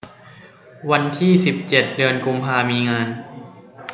วันที่สิบเจ็ดเดือนกุมภามีงาน